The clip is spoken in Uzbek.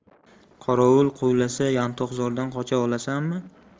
qorovul quvlasa yantoqzordan qocha olasanmi